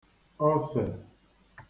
ọsè